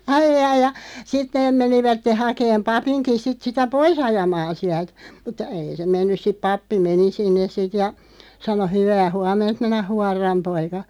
ai ai ja sitten ne menivät hakemaan papinkin sitten sitä pois ajamaan sieltä mutta ei se mennyt sitten pappi meni sinne sitten ja sanoi hyvää huomenta minä huoran poika